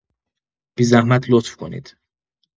بی‌زحمت لطف کنید